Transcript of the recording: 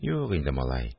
Юк инде, малай